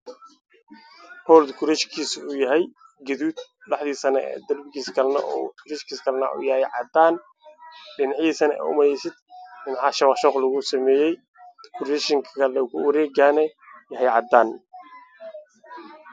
Waa howl gudihiisa ama korkiisa uu yahay haddaan geesaha u yahay guduud dhinacyaha waa shabaab iyo